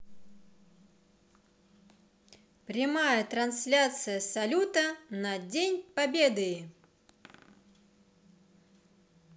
прямая трансляция салюта на день победы